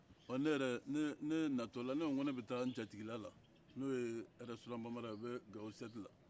ɔ ne yɛrɛ ne ne natɔla ne ko ne bɛ taa n jatigila la n'o ye ɛrɛsitoran bamara ye n'o bɛ gawo sɛrɛkili